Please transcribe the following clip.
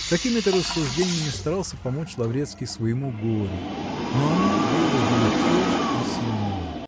" Такими-то рассуждениями старался помочь Лаврецкий своему горю, но оно было велико и сильно